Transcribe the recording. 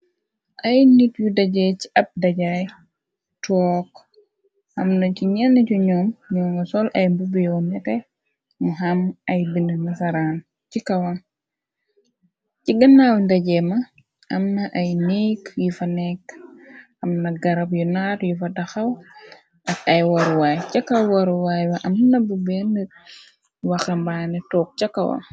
Ay nit yu dajee ci ab dajaay, took, amna ci ñenn ju ñoom, ñoo nga sol ay mbubbi yoon neke, mu ham ay bind nasaraan ci kawan, ci ginaaw ndajeema amna ay neek yu fa nekk, am na garab yu naar yu fa daxaw ak ay waruwaay, ca kaw waruwaay wa amna bu bend waxambaane took ca kawa.